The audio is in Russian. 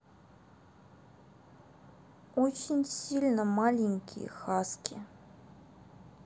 очень сильно маленькие хаски